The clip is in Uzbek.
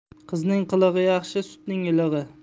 qizning qilig'i yaxshi sutning ilig'i